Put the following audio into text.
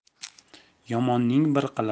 yomonning bir qilig'i